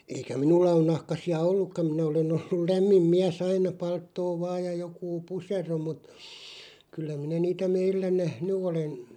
eikä minulla ole nahkaisia ollutkaan minä olen ollut lämmin mies aina palttoo vain ja joku pusero mutta kyllä minä niitä meillä nähnyt olen